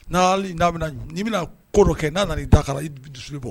Non hali n'a bena ɲ n'i bena ko dɔ kɛ n'a nana i da k'a la i b dusu be bɔ